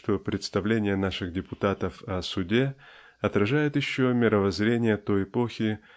что представления наших депутатов о суде отражают еще мировоззрение той эпохи